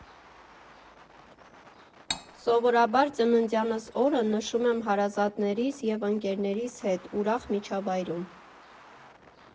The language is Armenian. Սովորաբար ծննդյանս օրը նշում եմ հարազատներիս և ընկերներիս հետ՝ ուրախ միջավայրում։